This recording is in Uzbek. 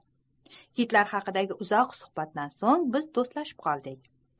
kitlar haqidagi uzoq suhbatdan so'ng biz do'stlashib qoldik